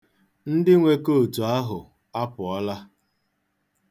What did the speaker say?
Ndị nwe kootu ahụ apụọla.